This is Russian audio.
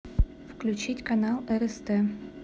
включить канал ртс